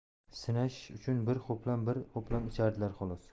sinash uchun bir ho'plam bir ho'plam ichardilar xolos